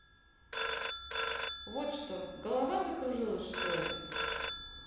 вот что голова закружилась что ли